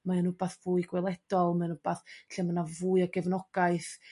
Mae o'n 'wbath fwy gweledol mae'n 'wbath lle ma' 'na fwy o gefnogaeth